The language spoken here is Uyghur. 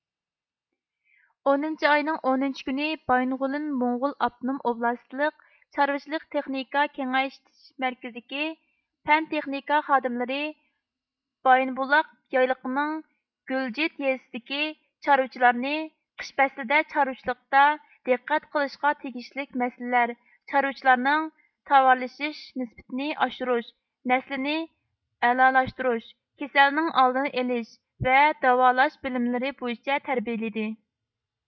ئونىنچى ئاينىڭ ئونىنچى كۈنى بايىنغولىن موڭغۇل ئاپتونوم ئوبلاستلىق چارۋىچىلىق تېخنىكا كېڭەيتىش مەركىزىدىكى پەن تېخنىكا خادىملىرى بايىنبۇلاق يايلىقىنىڭ گۈلجېت يېزىسىدىكى چارۋىچىلارنى قىش پەسلىدە چارۋىچىلىقتا دىققەت قىلىشقا تېگىشلىك مەسىلىلەر چارۋىلارنىڭ تاۋارلىشىش نىسبىتىنى ئاشۇرۇش نەسلىنى ئەلالاشتۇرۇش كېسەلنىڭ ئالدىنى ئېلىش ۋە داۋالاش بىلىملىرى بويىچە تەربىيىلىدى